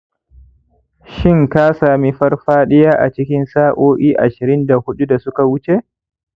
shin ka sami farfadiya a cikin sa'o'i ashirin da hudu da suka wuce